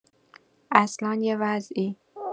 اصلا یه وضعی